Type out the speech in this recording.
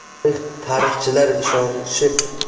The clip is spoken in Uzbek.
tarix tarixchilar ishonishi mumkin